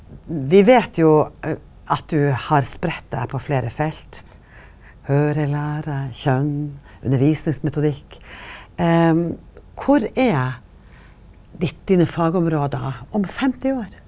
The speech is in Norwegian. vi veit jo at du har spreidd deg på fleire felt, høyrelære, kjønn, undervisningsmetodikk, kvar er ditt dine fagområde om 50 år?